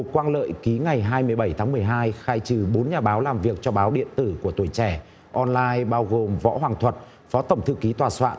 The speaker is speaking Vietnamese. hồ quang lợi ký ngày hai mươi bảy tháng mười hai khai trừ bốn nhà báo làm việc cho báo điện tử của tuổi trẻ on lai bao gồm võ hoàng thuật phó tổng thư ký tòa soạn